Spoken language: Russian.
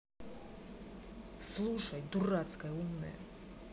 слушать дурацкая умная